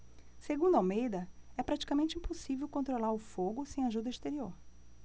segundo almeida é praticamente impossível controlar o fogo sem ajuda exterior